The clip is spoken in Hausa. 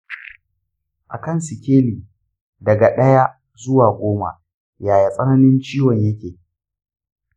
a kan sikeli daga ɗaya zuwa goma, yaya tsananin ciwon yake?